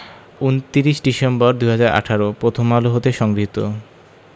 ২৯ December ২০১৮ Prothom Alo হতে সংগৃহীত